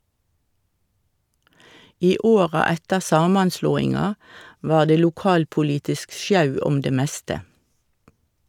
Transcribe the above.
I åra etter samanslåinga var det lokalpolitisk sjau om det meste.